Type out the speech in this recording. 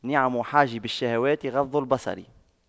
نعم حاجب الشهوات غض البصر